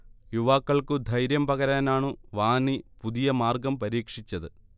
യുവാക്കൾക്കു 'ധൈര്യം' പകരാനാണു വാനി പുതിയ മാർഗം പരീക്ഷിച്ചത്